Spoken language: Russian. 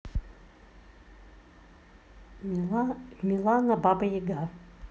милана баба яга